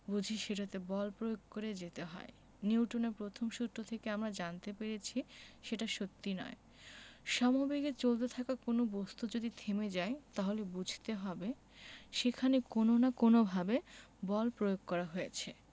বুঝি সেটাতে বল প্রয়োগ করে যেতে হয় নিউটনের প্রথম সূত্র থেকে আমরা জানতে পেরেছি সেটা সত্যি নয় সমবেগে চলতে থাকা কোনো বস্তু যদি থেমে যায় তাহলে বুঝতে হবে সেখানে কোনো না কোনোভাবে বল প্রয়োগ করা হয়েছে